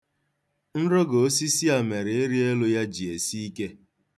Nrọgọ osisi a mere ịrị elu ya ji esi ike.